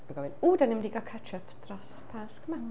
Yn gofyn, w, ydan ni'n mynd i gael catch up dros Pasg yma.